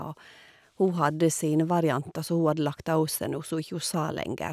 Og hun hadde sine varianter som hun hadde lagt av seg nå, som ikke hun sa lenger.